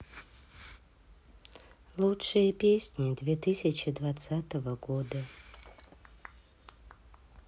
лучшие песни две тысячи двадцатого года